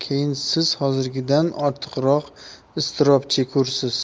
keyin siz hozirgidan ortiqroq iztirob chekursiz